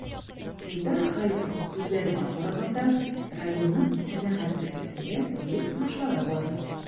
Илдар Халиковның сүзләренә караганда, районның сәнәгать өлкәсендә зур уңышлары бар.